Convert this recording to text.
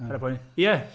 Paid a poeni. Ie...